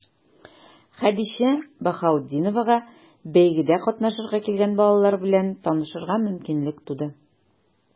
Хәдичә Баһаветдиновага бәйгедә катнашырга килгән балалар белән танышырга мөмкинлек туды.